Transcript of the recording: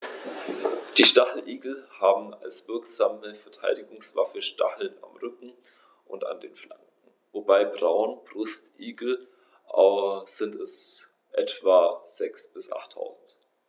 Die Stacheligel haben als wirksame Verteidigungswaffe Stacheln am Rücken und an den Flanken (beim Braunbrustigel sind es etwa sechs- bis achttausend).